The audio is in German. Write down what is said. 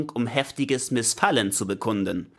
um heftiges Missfallen zu bekunden